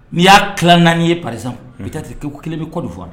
N'i y'a tilala naani ye pariz bɛ taa kelen bɛ f